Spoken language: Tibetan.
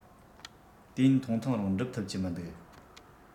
དུས ཡུན ཐུང ཐུང རིང འགྲུབ ཐུབ ཀྱི མི འདུག